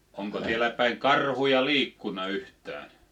onko täällä päin karhuja liikkunut yhtään